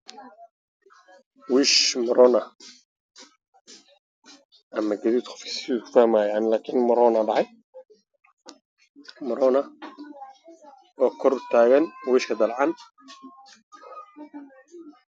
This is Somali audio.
Ruush ka maroona ah oo kor u taagan oo la daalacan wiishka kaleerkiisa waa gaduud